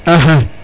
axa